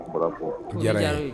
N bara'w fo, yara an ye.